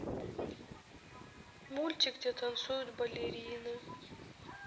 мультик где танцуют балерины